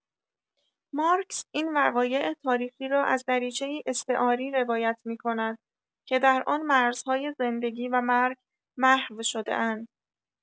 مارکز این وقایع تاریخی را از دریچه‌ای استعاری روایت می‌کند که در آن مرزهای زندگی و مرگ محو شده‌اند.